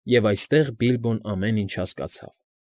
Եվ այստեղ Բիլբոն ամեն ինչ հասկացավ։